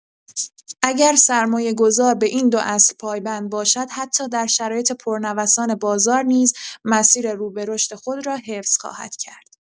اگر سرمایه‌گذار به این دو اصل پایبند باشد، حتی در شرایط پرنوسان بازار نیز مسیر رو به رشد خود را حفظ خواهد کرد.